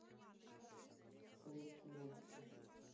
советские мультики